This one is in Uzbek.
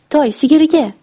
toy sigirga